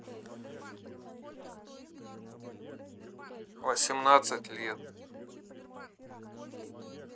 восемнадцать лет